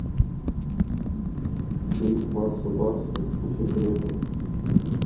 клип макса барских по секрету